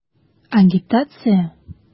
Агитация?!